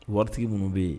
Waritigi minnu bɛ yen